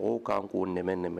O' kan k ko nɛ nɛmɛ